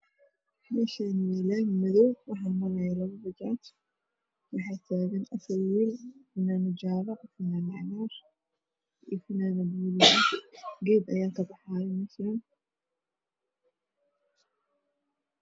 Meeshaan waa laami madow waxaa maraayo afar bajaaj waxaa taagan labo wiil faanad jalo fananad cagaar iyo madow geed ayaa ka baxaayo meeshaan